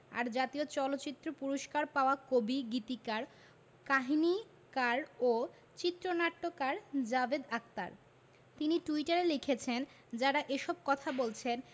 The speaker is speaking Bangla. আর জাতীয় চলচ্চিত্র পুরস্কার পাওয়া কবি গীতিকার কাহিনিকার ও চিত্রনাট্যকার জাভেদ আখতার তিনি টুইটারে লিখেছেন যাঁরা এসব কথা বলছেন